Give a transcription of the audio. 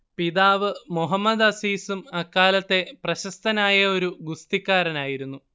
പിതാവ് മുഹമ്മദ് അസീസും അക്കാലത്തെ പ്രശസ്തനായ ഒരു ഗുസ്തിക്കാരനായിരുന്നു